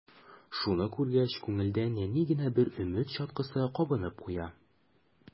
Шуны күргәч, күңелдә нәни генә бер өмет чаткысы кабынып куя.